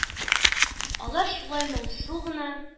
Алар шулай моңсу гына,